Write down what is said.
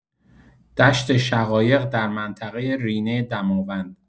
دشت شقایق در منطقه رینه دماوند